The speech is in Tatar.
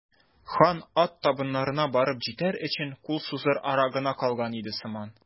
Хан ат табыннарына барып җитәр өчен кул сузыр ара гына калган иде сыман.